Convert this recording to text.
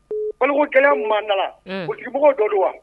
Man gɛlɛya tun ma nana o tigibugu dɔ don wa